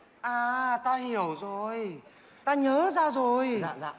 à ta hiểu rồi ta nhớ ra rồi